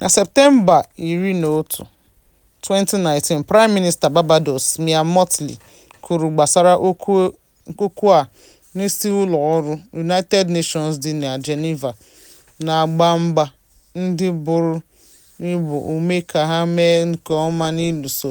Na Septemba 11, 2019, Prime Minister Barbados, Mia Mottley, kwuru gbasara okwu a n'isi ụlọọrụ United Nations dị na Geneva, na-agba mba ndị buru ibu ume ka ha mee nke ọma n'ịlụso